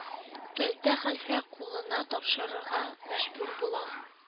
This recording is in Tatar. Кәлтә хәлфә кулына тапшырырга мәҗбүр була.